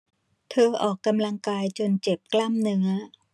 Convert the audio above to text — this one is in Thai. เธอออกกำลังกายจนเจ็บกล้ามเนื้อ